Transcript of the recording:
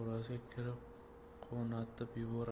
orasiga kirib qonatib yuboradi